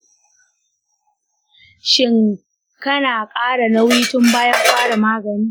shin ka ƙara nauyi tun bayan fara magani?